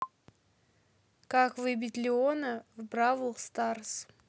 как выбить леона в бравл старз